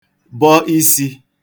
bọ isī